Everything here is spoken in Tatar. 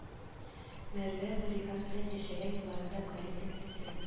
Мәрүә Нурихан белән яшәгән елларында каенсеңлесе